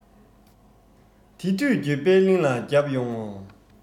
དེ དུས འགྱོད པའི གླིང ལ བརྒྱབ ཡོང ངོ